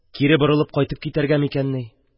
Кире борылып кайтып китәргә микәнни?